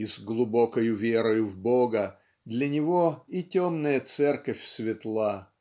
и "с глубокою верою в Бога" для него "и темная церковь светла".